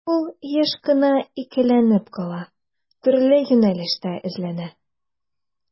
Ул еш кына икеләнеп кала, төрле юнәлештә эзләнә.